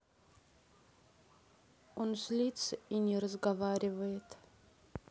он злится и не разговаривает